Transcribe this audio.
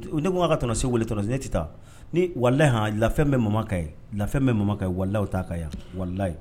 Ne ko k'a tonton Seku wele ne tɛ taa, ni walahi han lafiya min bɛ maman kan yen lafiya min bɛ maman kan yen walahi o t'a kan yan, walahi